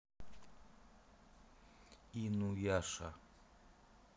инуяша